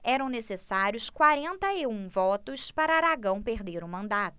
eram necessários quarenta e um votos para aragão perder o mandato